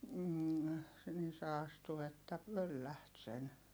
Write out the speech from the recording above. - niin se astui että pöllähti sen